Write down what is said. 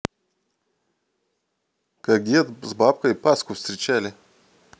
как дед с бабкой пасху встречали